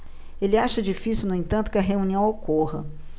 ele acha difícil no entanto que a reunião ocorra